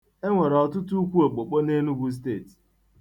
E nwere ọtụtụ ukwu okpokpo n'Enugwu Steeti.